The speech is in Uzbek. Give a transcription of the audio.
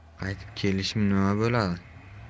qaytib kelishim nima bo'ladi